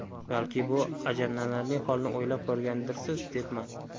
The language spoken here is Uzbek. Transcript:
balki bu ajablanarli holni o'ylab ko'rgandirsiz debman